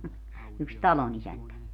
yksi talonisäntä